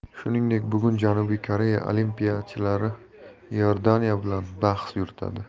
shuningdek bugun janubiy koreya olimpiyachilari iordaniya bilan bahs yuritadi